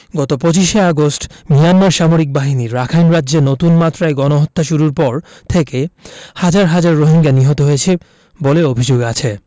গত ২৫ August Myanmar সামরিক বাহিনী রাখাইন রাজ্যে নতুন মাত্রায় গণহত্যা শুরুর পর থেকে হাজার হাজার রোহিঙ্গা নিহত হয়েছে বলে অভিযোগ আছে